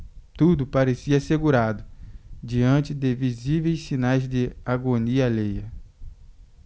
tudo parecia assegurado diante de visíveis sinais de agonia alheia